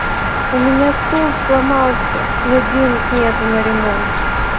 у меня стул сломался но денег нету на ремонт